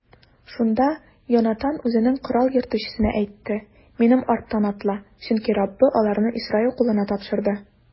Шунда Йонатан үзенең корал йөртүчесенә әйтте: минем арттан атла, чөнки Раббы аларны Исраил кулына тапшырды.